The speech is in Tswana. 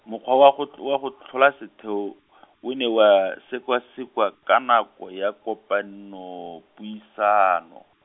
mokgwa wa go tl- wa go tlhola setheo , o ne wa, sekasekwa ka nako ya kopanopuisano.